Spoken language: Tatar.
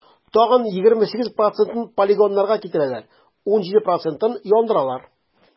Тагын 28 процентын полигоннарга китерәләр, 17 процентын - яндыралар.